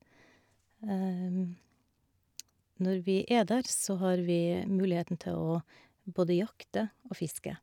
Når vi er der så har vi muligheten til å både jakte og fiske.